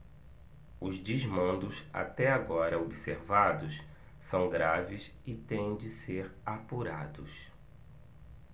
os desmandos até agora observados são graves e têm de ser apurados